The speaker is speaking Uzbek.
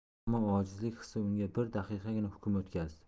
ammo ojizlik hissi unga bir daqiqagina hukm o'tkazdi